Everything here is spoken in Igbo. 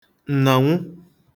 ǹnànwụ